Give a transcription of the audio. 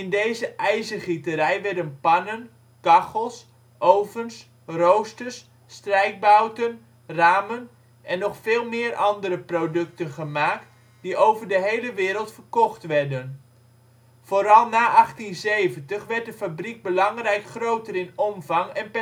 deze ijzergieterij werden pannen, kachels, ovens, roosters, strijkbouten, ramen en nog veel meer andere producten gemaakt die over de hele wereld verkocht werden. Vooral na 1870 werd de fabriek belangrijk groter in omvang en